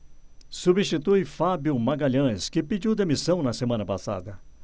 substitui fábio magalhães que pediu demissão na semana passada